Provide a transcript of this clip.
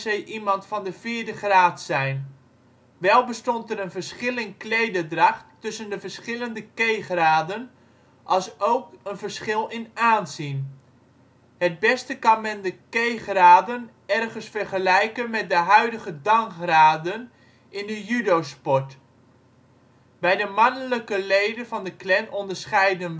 iemand van de vierde graad zijn. Wel bestond er een verschil in klederdracht tussen de verschillende K-graden alsook een verschil in aanzien. Het beste kan men de K-graden ergens vergelijken met de huidige " dan "- graden in de judosport. Bij de mannelijke leden van de Klan onderscheiden